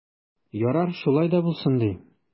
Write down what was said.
Ярар, шулай да булсын ди.